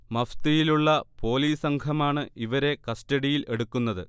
മഫ്തിയിലുള്ള police സംഘമാണ് ഇവരെ കസ്റ്റഡിയിൽ എടുക്കുന്നത്